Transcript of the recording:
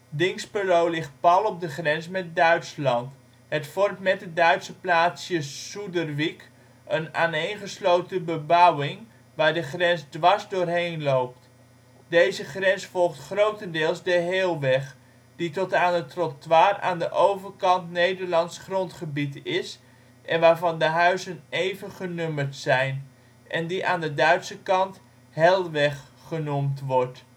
Dinxperlo ligt pal op de grens met Duitsland. Het vormt met het Duitse plaatsje Suderwick een aaneengesloten bebouwing waar de grens dwars door heen loopt. Deze grens volgt grotendeels de Heelweg, die tot aan het trottoir aan de overkant Nederlands grondgebied is en waarvan de huizen even genummerd zijn, en die aan de Duitse kant Hellweg genoemd wordt